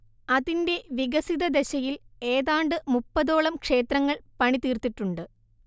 അതിന്റെ വികസിതദശയിൽ ഏതാണ്ട് മുപ്പതോളം ക്ഷേത്രങ്ങൾ പണിതീർത്തിട്ടുണ്ട്